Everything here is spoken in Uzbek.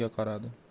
bilan unga qaradi